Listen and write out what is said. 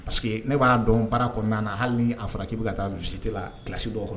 Pa que ne b'a dɔn baara kɔnɔna na hali a fɔra k'i bɛ ka taa zite kilasi bɔ kɔnɔ